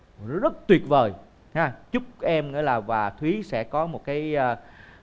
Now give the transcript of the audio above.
rất tuyệt vời ha chúc em nghĩa là hòa thúy sẽ có một cái ơ